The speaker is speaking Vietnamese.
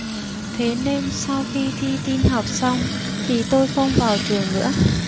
thế nên sau khi thi tin học xong thì tôi không vào trường nữa